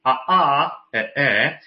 a a e e